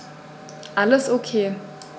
Alles OK.